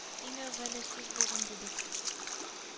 Иң әвәле сүз булган дидек